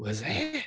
Was it?